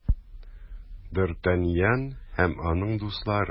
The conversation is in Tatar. Д’Артаньян һәм аның дуслары.